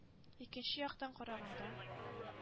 «икенче яктан караганда,